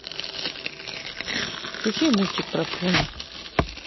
включи мультик про пони